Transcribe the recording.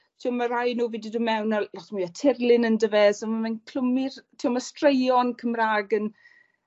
t'mo' ma rai nw fi 'di do' mewn â lot mwy o tirlun yndo fe so ma' fe'n clwmu'r t'mo' ma' straeon Cymra'g yn